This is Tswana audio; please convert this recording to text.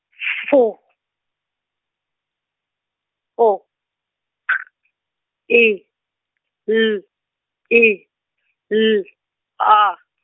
F , O K E L E L A.